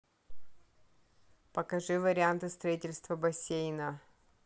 покажи варианты строительства бассейна